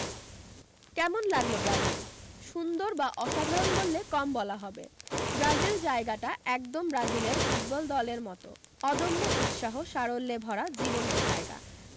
কেমন লাগল ব্রাজিল সুন্দর বা অসাধারণ বললে কম বলা হবে ব্রাজিল জায়গাটা একদম ব্রাজিলের ফুটবল দলের মতো অদম্য উৎসাহ সারল্যে ভরা জীবন্ত জায়গা